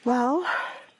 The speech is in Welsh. Wel.